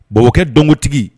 Bɔbɔkɛ dɔnko tigi